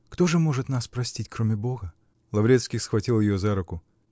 Кто же может нас простить, кроме бога? Лаврецкий схватил ее за руку.